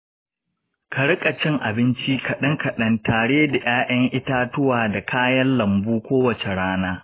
ka rika cin abinci kaɗan-kaɗan tare da 'ya'yan itatuwa da kayan lambu kowace rana.